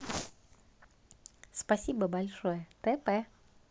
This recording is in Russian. спасибо большое t p